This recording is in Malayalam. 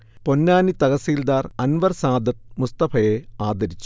പൊന്നാനി തഹസിൽദാർ അൻവർ സാദത്ത് മുസ്തഫയെ ആദരിച്ചു